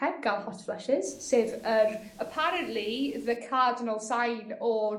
...heb ga'l hot flushes sef yr apparently the cardinal sign o